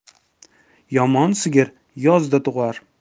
yomon sigir yozda tug'ar